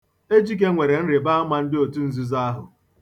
Ejike nwere nrị̀bàamā ndị otu nzuzo ahụ.